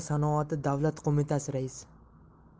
sanoati davlat qo'mitasi raisi